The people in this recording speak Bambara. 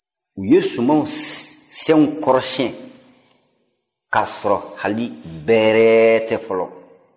u ye suman syɛn kɔrɔsyɛn k'a sɔrɔ hali bin bɛrɛ tɛ foro la